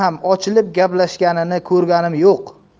ham ochilib gaplashganini ko'rganim yo'q